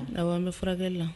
Ga an bɛ furakɛ la